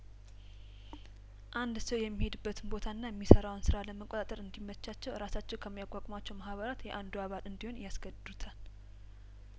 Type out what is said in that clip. አንድ ሰው የሚሄድ በትን ቦታና የሚሰራውን ስራ ለመቆጣጠር እንዲ ያመቻቸው ራሳቸው ከሚያቋቁ ሟቸው ማህበራት የአንዱ አባል እንዲሆን ያስገድዱታል